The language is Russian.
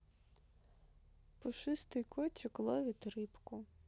пушистый котик ловит рыбку